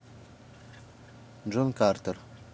джон картер